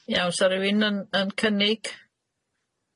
Iawn sa rywun yn yn cynnig?